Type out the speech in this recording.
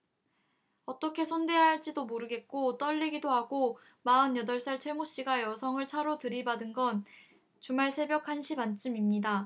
어떻게 손대야 할지도 모르겠고 떨리기도 하고 마흔 여덟 살 최 모 씨가 여성을 차로 들이받은 건 주말 새벽 한 시 반쯤입니다